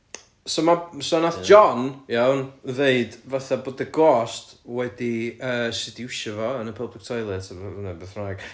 so ma'... so nath John iawn ddeud fatha bod y ghost wedi yy sediwsio fo yn y public toilet neu beth bynnag